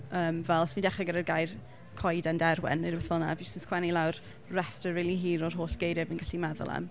yym fel os fi'n dechrau gyda'r gair coeden derwen neu rywbeth fel 'na, fi jyst yn ysgrifennu lawr restr rili hir o'r holl geiriau fi'n gallu meddwl am.